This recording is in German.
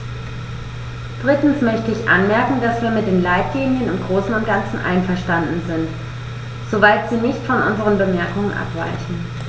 Drittens möchte ich anmerken, dass wir mit den Leitlinien im großen und ganzen einverstanden sind, soweit sie nicht von unseren Bemerkungen abweichen.